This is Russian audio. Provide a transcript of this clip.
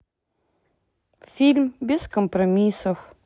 фильм без компромиссов